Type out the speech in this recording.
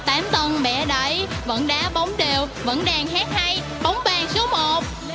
tám tần pẹ đậy vẫn đá bóng đều vẫn đàn hát hay bóng bàn số một